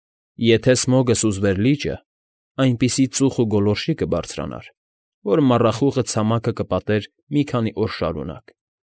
Եթե Սմոգը սուզվեր լիճը, այնպիսի ծուխ ու գոլորշի կբարձրանար, որ մառախուղը ցամաքը կպատեր մի քանի օր շարունակ։